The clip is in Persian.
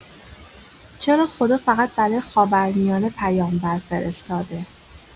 چرا خدا فقط برای خاورمیانه پیامبر فرستاده؟